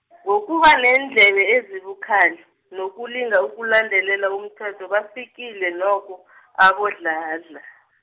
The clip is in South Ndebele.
ngokuba neendlebe ezibukhali, nokulinga ukulandelela umthetho, bafikile nokho , aboDladla.